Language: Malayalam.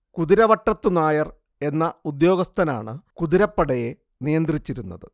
കുതിരവട്ടത്തു നായർ എന്ന ഉദ്യോഗസ്ഥനാണ് കുതിരപ്പടയെ നിയന്ത്രിച്ചിരുന്നത്